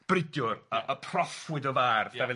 Bridiwr y y proffwyd o far Dafydd